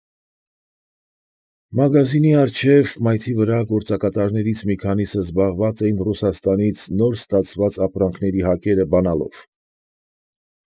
Մագազինի առջև, մայթի վրա գործակատարներից մի քանիսը զբաղված էին Ռուսաստանից նոր ստացված ապրանքների հակերը բանալով։